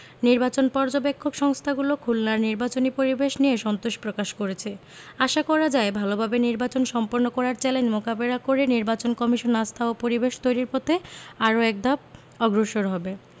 নির্বাচন পর্যবেক্ষক সংস্থাগুলো খুলনার নির্বাচনী পরিবেশ নিয়ে সন্তোষ প্রকাশ করেছে আশা করা যায় ভালোভাবে নির্বাচন সম্পন্ন করার চ্যালেঞ্জ মোকাবেলা করে নির্বাচন কমিশন আস্থা ও পরিবেশ তৈরির পথে আরো একধাপ অগ্রসর হবে